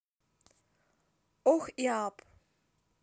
ох и апп